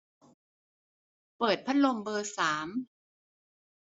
เปิดพัดลมเบอร์สาม